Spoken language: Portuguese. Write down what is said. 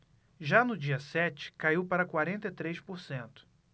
já no dia sete caiu para quarenta e três por cento